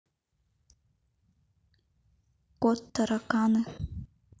кот тараканы